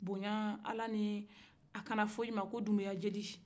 bonya-ala ni a kana fɔ i ma ko dumbuyajeli